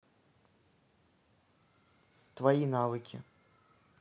твои навыки